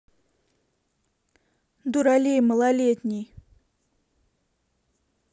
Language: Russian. дуралей малолетний